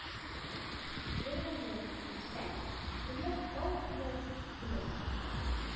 Йөргәннәрен күрсәң, гүя тау килә дип белерсең